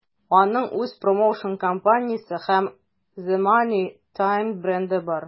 Аның үз промоушн-компаниясе һәм The Money Team бренды бар.